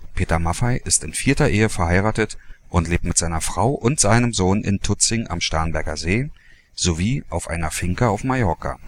Peter Maffay ist in vierter Ehe verheiratet und lebt mit seiner Frau und seinem Sohn in Tutzing am Starnberger See sowie auf einer Finca auf Mallorca